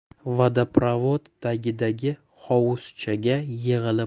vodoprovod tagidagi hovuzchaga yig'ilib